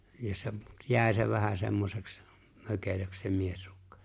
ja se jäi se vähän semmoiseksi mökelöksi se miesrukka